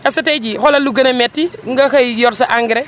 parce que tey jii xoolal lu gën a métti nga xëy yor sa engrais